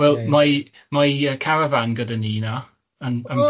Wel mae mae y carafan gyda ni na yn yn Pembrey.